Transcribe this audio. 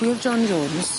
Pwy o'dd John Jones?